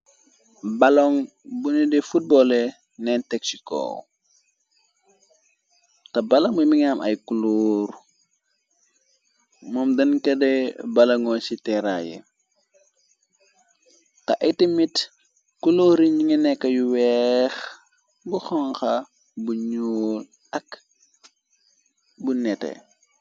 Baloŋ bunidi footballe neen texiko te balamuy mingaam ay kuluur moom dën kate balongo ci teeraa yi, Te ayté mit kuluuri ngi nekka yu weex bu xanxa bu ñuul ak bu nete.